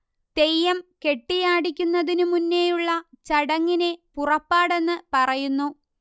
തെയ്യം കെട്ടിയാടിക്കുന്നതിനുമുന്നേയുള്ള ചടങ്ങിനെ പുറപ്പാടെന്ന് പറയുന്നു